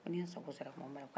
ko ne n sago sera tuma min na